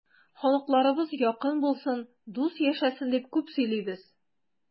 Халыкларыбыз якын булсын, дус яшәсен дип күп сөйлибез.